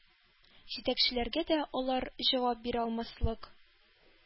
Җитәкчеләргә дә алар җавап бирә алмаслык